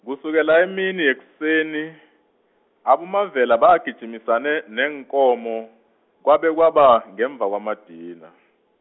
kusukela emini yekuseni, aboMavela bagijimisane neenkomo, kwabe kwaba ngemva kwamadina.